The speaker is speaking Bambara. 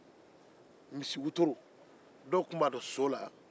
misiwotoro dɔw tun b'a don so la